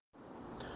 ursangiz ham